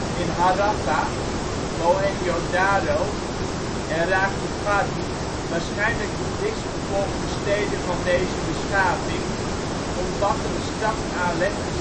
in Harappa, Mohenjodaro en Rakhigarhi, waarschijnlijk de dichtstbevolkte steden van deze beschaving, omvatte de stadsaanleg een